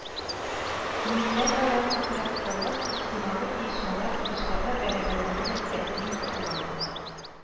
Милләтара тотрыклылык иҗтимагый оешмалар тырышлыгы бәрабәренә дә тәэмин ителә